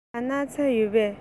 ཁྱེད རང ལ སྣག ཚ ཡོད པས